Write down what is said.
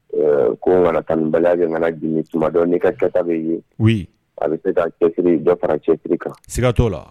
Ko mana tanbaliya de nana bi tumadɔ ne ka kɛtabe ye wuli a bɛ se ka cɛtiri dɔ fara cɛtiri kan siga ttɔ la